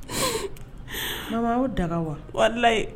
Ha o daga wa wali ye